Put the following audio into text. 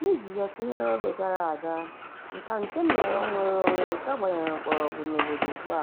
"N'iji ya tụnyere oge gara aga, nkà nke nnọrọ nwere onwe kà gbanyere mkpọrọgwụ n'obodo ugbua," :